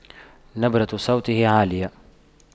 نبرة صوته عالية